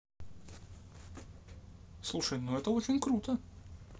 слушай ну это очень круто